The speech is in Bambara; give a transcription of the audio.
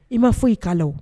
I ma foyi ka la wu.